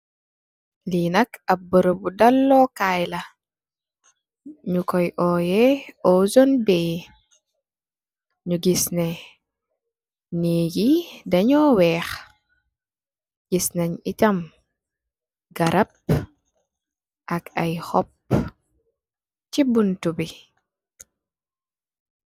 Li nak am berembi dal lo kai la ngu kui oyeh ocean bay nyu giss neh neegi de nyu weex giss nenn ai tam garab ak ay hoop si buntu bi .